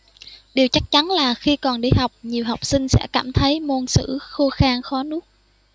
điều chắc chắn là khi còn đi học nhiều học sinh sẽ cảm thấy môn sử khô khan khó nuốt